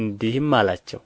እንዲህም አላቸው